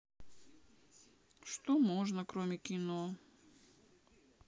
что можно кроме кино